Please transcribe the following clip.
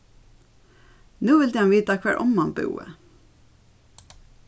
nú vildi hann vita hvar omman búði